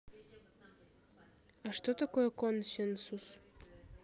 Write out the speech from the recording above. а что такое консенсус